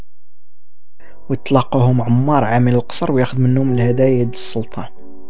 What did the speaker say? اطلقهم عمار عمل القصر وياخذهم من هدايه السلطان